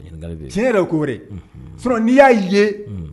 Yɛrɛ n'i y'a'i ye